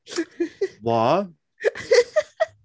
What?